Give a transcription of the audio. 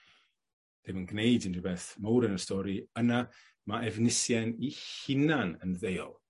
ddim yn gneud unryw beth mowr yn y stori yna ma' Efnisien 'i hunain yn ddeuol.